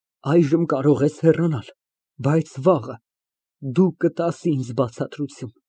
Այժմ կարող ես հեռանալ, բայց վաղը դու կտաս ինձ բացատրություն։